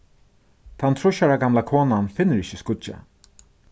tann trýss ára gamla konan finnur ikki skýggið